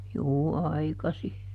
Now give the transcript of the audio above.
juu aikaisin